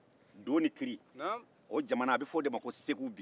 do ni kiiri jamana in bi a bɛ fɔ o de ma ko segu